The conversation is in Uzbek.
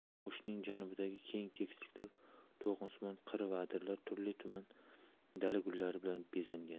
o'shning janubidagi keng tekisliklar to'lqinsimon qir va adirlar turli tuman dala gullari bilan bezangan